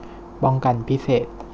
ป้องกันพิเศษ